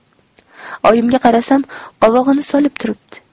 oyimga qarasam qovog'ini solib turibdi